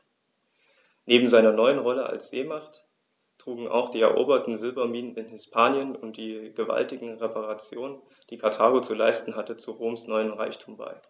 Neben seiner neuen Rolle als Seemacht trugen auch die eroberten Silberminen in Hispanien und die gewaltigen Reparationen, die Karthago zu leisten hatte, zu Roms neuem Reichtum bei.